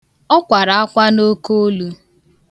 Ọ kwara akwa n' oke olu.